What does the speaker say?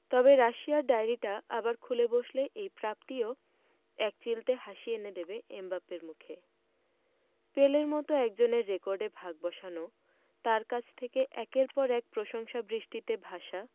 তবে রাশিয়ার ডায়েরিটা আবার খুলে বসলে এই প্রাপ্তি ও একচিলতে হাসি এনে দেবে এমবাপ্পের মুখে পেলের মতো একজনের রেকর্ডে ভাগ বসানো তাঁর কাছ থেকে একের পর এক প্রশংসাবৃষ্টিতে ভাসা